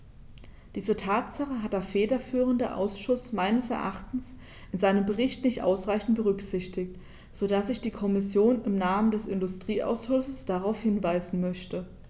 Diese Tatsache hat der federführende Ausschuss meines Erachtens in seinem Bericht nicht ausreichend berücksichtigt, so dass ich die Kommission im Namen des Industrieausschusses darauf hinweisen möchte.